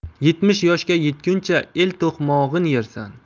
yetmish yoshga yetguncha el to'qmog'in yersan